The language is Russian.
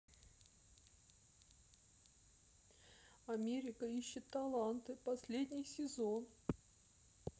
америка ищет таланты последний сезон